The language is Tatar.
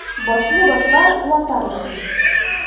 Башлы башлар — ватар өчен!